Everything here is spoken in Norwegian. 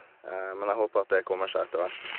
Men jeg håper at det kommer seg etter hvert.